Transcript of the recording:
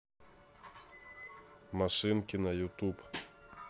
машинки на ютюб